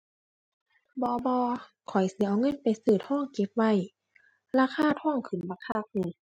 บ่ บ่ ข้อยสิเอาเงินไปซื้อทองเก็บไว้ ราคาทองขึ้นบักคักนี่